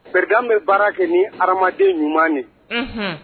Président bɛ baara kɛ ni hadamaden ɲuman de ye Unhun